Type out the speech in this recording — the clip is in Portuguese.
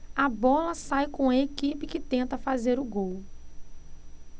a bola sai com a equipe que tenta fazer o gol